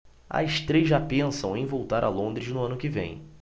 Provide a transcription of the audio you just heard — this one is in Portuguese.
as três já pensam em voltar a londres no ano que vem